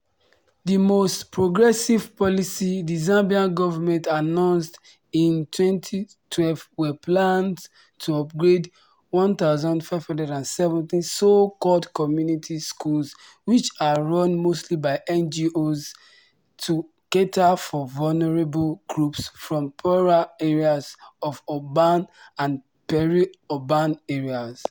The most progressive policy the Zambian government announced in 2012 were plans to upgrade 1,570 so-called community schools which are run mostly by NGOs to cater for vulnerable groups from poorer areas of urban and peri-urban areas.